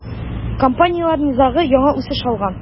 Компанияләр низагы яңа үсеш алган.